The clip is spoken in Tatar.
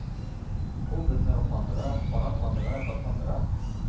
Ул безне рухландыра, канатландыра, шатландыра,